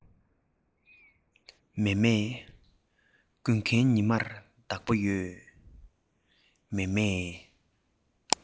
མཱེ མཱེ དགུན ཁའི ཉི མར བདག པོ ཡོད མཱེ མཱེ